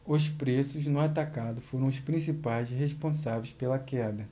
os preços no atacado foram os principais responsáveis pela queda